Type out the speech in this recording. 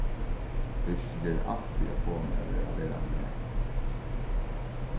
húskið gjørdi alt fyri at fáa meg at verða verandi har